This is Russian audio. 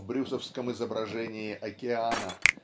в брюсовском изображении океана